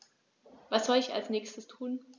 Was soll ich als Nächstes tun?